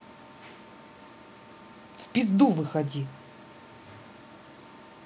в пизду выходи